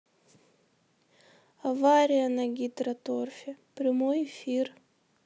авария на гидроторфе прямой эфир